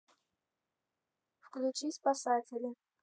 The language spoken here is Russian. включи спасатели